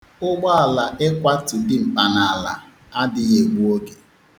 Ụgbọala ịkwatu dimkpa n'ala adịghị egbu oge.